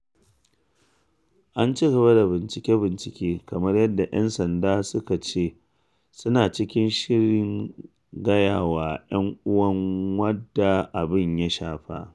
Ana ci gaba da bincike-bincike kamar yadda ‘yan sanda suke cewa suna cikin shirin gaya wa ‘yan uwan wadda abin ya shafa.